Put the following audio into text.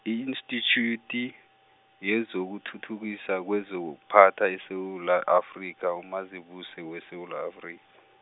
i-institjuti, yezokuthuthukiswa kwezokuphatha eSewula Afrika uMazibuse weSewula Afri- .